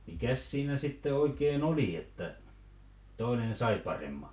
mikäs siinä sitten oikein oli että toinen sai paremman